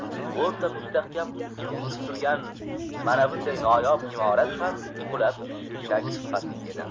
o'nta mustahkam ustun tutib turgan manavinday noyob imorat ham qulab tushishi shak shubhasiz edi